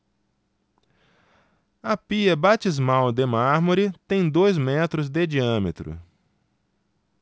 a pia batismal de mármore tem dois metros de diâmetro